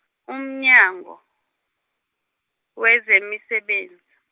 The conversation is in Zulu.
uMnyango, wezeMisebenzi.